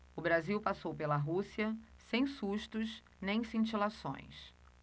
o brasil passou pela rússia sem sustos nem cintilações